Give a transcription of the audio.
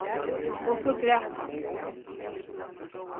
og so græt hann